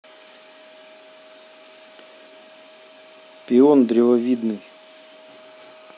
пион деревовидный